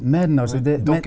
men altså det det.